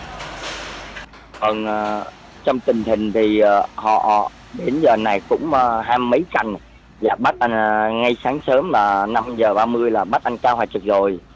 ờ trong tình hình thì họ đến giờ này cũng mờ hai mấy sành và bắt anh ngay sáng sớm là năm giờ ba mươi là bắt anh ra trực rồi